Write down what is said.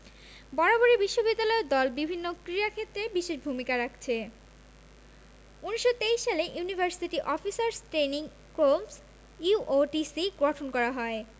বরাবরই বিশ্ববিদ্যালয় দল বিভিন্ন ক্রীড়াক্ষেত্রে বিশেষ ভূমিকা রাখছে ১৯২৩ সালে university officers training corps UOTC গঠন করা হয়